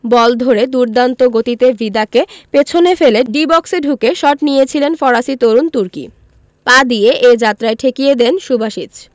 বল ধরে দুর্দান্ত গতিতে ভিদাকে পেছনে ফেলে ডি বক্সে ঢুকে শট নিয়েছিলেন ফরাসি তরুণ তুর্কি পা দিয়ে এ যাত্রায় ঠেকিয়ে দেন সুবাসিচ